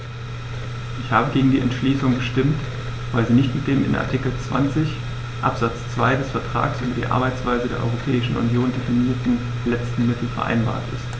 Ich habe gegen die Entschließung gestimmt, weil sie nicht mit dem in Artikel 20 Absatz 2 des Vertrags über die Arbeitsweise der Europäischen Union definierten letzten Mittel vereinbar ist.